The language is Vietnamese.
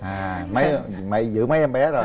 à mấy mà giữ mấy em bé rồi